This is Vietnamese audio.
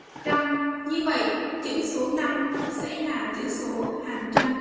tâm như vậy chữ số sẽ là chữ số hàng trăm